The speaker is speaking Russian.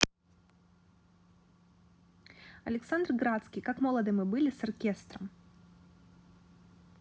александр градский как молоды мы были с оркестром